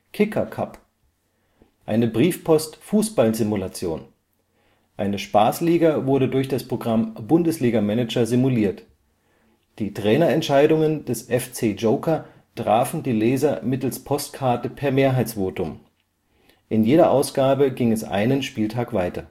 Kicker Cup: Eine Briefpost-Fußballsimulation. Eine Spaßliga wurde durch das Programm Bundesliga Manager simuliert. Die Trainer-Entscheidungen des FC Joker trafen die Leser mittels Postkarte per Mehrheitsvotum. In jeder Ausgabe ging es einen Spieltag weiter